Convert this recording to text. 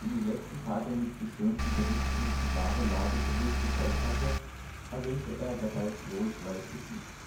die letzten Tage mit geschönten Berichten über die wahre Lage bewusst getäuscht hatte, erwähnte er dabei wohlweislich nicht